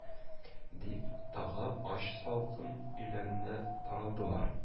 – дип, тагы ач, салкын өйләренә таралдылар